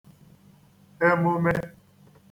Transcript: emumē